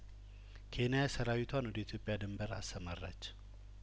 ኬንያሰራዊቷን ወደ ኢትዮጵያድን በር አሰማራች